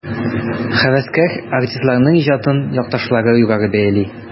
Һәвәскәр артистларның иҗатын якташлары югары бәяли.